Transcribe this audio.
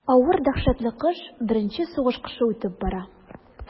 Авыр дәһшәтле кыш, беренче сугыш кышы үтеп бара.